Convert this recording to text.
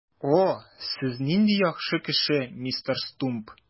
О, сез нинди яхшы кеше, мистер Стумп!